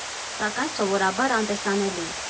Սակայն սովորաբար անտեսանելի։